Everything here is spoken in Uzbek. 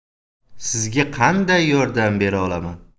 sizga qanday yordam bera olaman